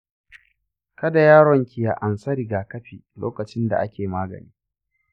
kada yaron ki ya ansa rigakafi lokacin da ake magani.